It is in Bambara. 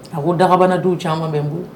A ko dagabanadenw caman bɛn n bolo